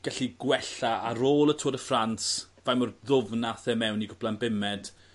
gallu gwella ar ôl y Tour de France faint mor ddwfn ath e mewn i cwpla'n bumed